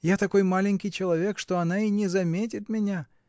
Я такой маленький человек, что она и не заметит меня.